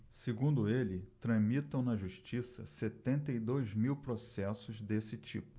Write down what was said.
segundo ele tramitam na justiça setenta e dois mil processos desse tipo